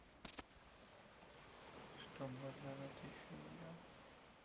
что можно на тысячу миллион